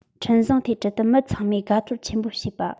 འཕྲིན བཟང ཐོས འཕྲལ དུ མི ཚང མས དགའ ཚོར ཆེན པོ བྱེད པ